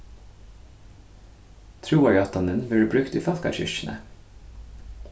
trúarjáttanin verður brúkt í fólkakirkjuni